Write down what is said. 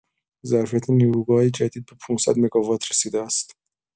ظرفیت نیروگاه جدید به ۵۰۰ مگاوات رسیده است.